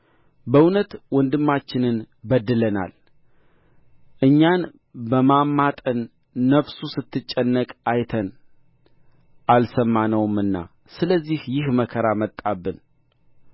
በእውነት ወንድማችንን በድለናል እኛን በማማጠን ነፍሱ ስትጨነቅ አይተን አልሰማነውምና ስለዚህ ይህ መከራ መጣብን